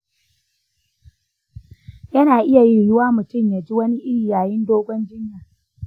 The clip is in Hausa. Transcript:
yana iya yiwuwa mutum ya ji wani iri yayin dogon jiyya.